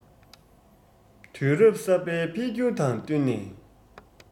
དུས རབ གསར པའི འཕེལ འགྱུར དང བསྟུན ནས